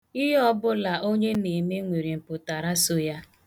Ihe ọ bụla onye na-eme nwere mpụtara so ya.